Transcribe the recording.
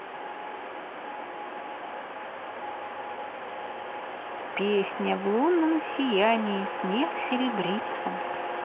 песня в лунном сиянии снег серебрится